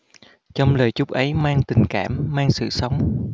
trong lời chúc ấy mang tình cảm mang sự sống